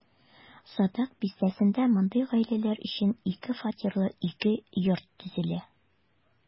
Садак бистәсендә мондый гаиләләр өчен ике фатирлы ике йорт төзелә.